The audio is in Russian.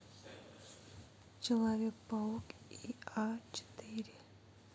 человек паук и а четыре